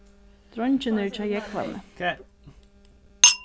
dreingirnir hjá jógvani